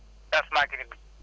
changement clim bi